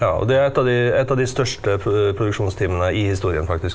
ja og det er et av de et av de største produksjonsteamene i historien faktisk.